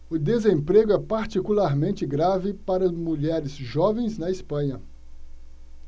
o desemprego é particularmente grave para mulheres jovens na espanha